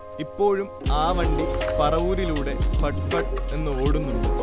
ഇപ്പോഴും ആ വണ്ടി പറവൂരിലൂടെ ഫട്ഫട് എന്ന് ഓടുന്നുണ്ട്